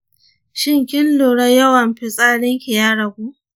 shin kin lura yawan fitsarinki ya ragu?